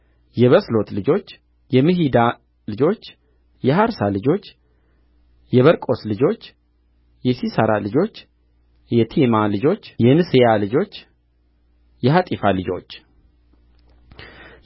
የበስሎት ልጆች የምሒዳ ልጆች የሐርሳ ልጆች የበርቆስ ልጆች የሲሣራ ልጆች የቴማ ልጆች የንስያ ልጆች የሐጢፋ ልጆች